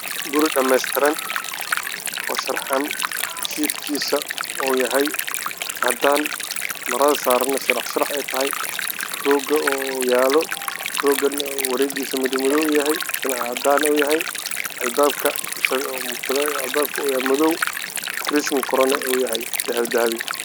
Guri dhamestiran oo sharaxan roog uu yaalo waxaa sidoo kale yaalo sariir